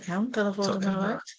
Iawn, dyle fod yn... tocyn dda ...alright.